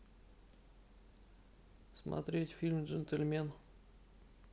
смотреть фильм джентельмен